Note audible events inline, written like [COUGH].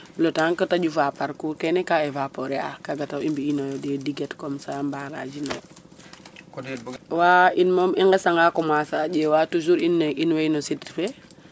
Le temps ke ta ƴufaa parcours kene ka évaporer a kaaga taxu i mbi'inooyo des diguettes comme ca barager ino yo [CROSSTALK] waw in moom i nqesanga commencé a ƴeewaa toujours in woy no sit fe.